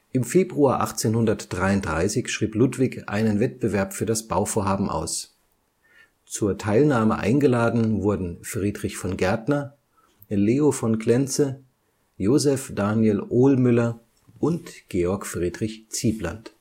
Im Februar 1833 schrieb Ludwig einen Wettbewerb für das Bauvorhaben aus. Zur Teilnahme eingeladen wurden Friedrich von Gärtner, Leo von Klenze, Joseph Daniel Ohlmüller und Georg Friedrich Ziebland